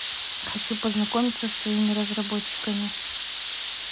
хочу познакомиться с твоими разработчиками